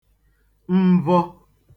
ḿvọ́